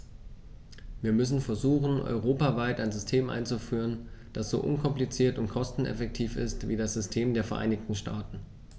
Wir müssen versuchen, europaweit ein System einzuführen, das so unkompliziert und kosteneffektiv ist wie das System der Vereinigten Staaten.